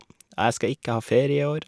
Jeg skal ikke ha ferie i år.